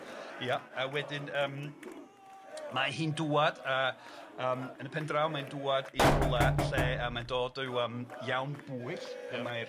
Ia a wedyn yym mae hi'n dŵad a yym yn y pen draw mae'n dŵad i rywle lle a mae'n dod i'w yym iawn bwyll pan mae'r